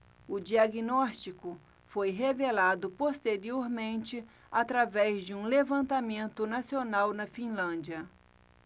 o diagnóstico foi revelado posteriormente através de um levantamento nacional na finlândia